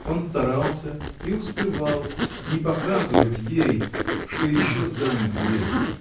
Он старался, и успевал, не показывать ей, что еще занят ею.